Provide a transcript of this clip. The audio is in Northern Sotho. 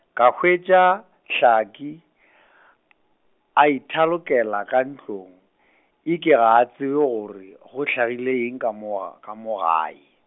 ke hwetša Tlhaka , a ithalokela ka ntlong, e ke ga a tsebe gore go hlagile eng ka mo ga, ka mo gae.